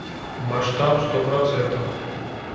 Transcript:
масштаб сто процентов